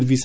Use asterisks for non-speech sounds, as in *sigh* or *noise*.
*hesitation* *hesitation*